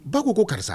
Po ko ko karisa.